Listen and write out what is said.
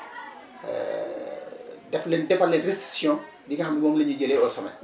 def leen defal leen restitution bi nga xam moom la ñuy jëlee au sommet